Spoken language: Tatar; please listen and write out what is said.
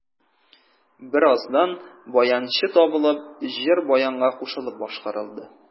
Бераздан баянчы табылып, җыр баянга кушылып башкарылды.